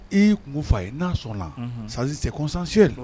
I tun' fa a ye n'a sɔnna sansisesansiri